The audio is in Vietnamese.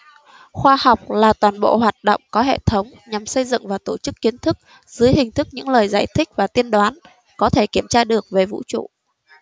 khoa học là toàn bộ hoạt động có hệ thống nhằm xây dựng và tổ chức kiến thức dưới hình thức những lời giải thích và tiên đoán có thể kiểm tra được về vũ trụ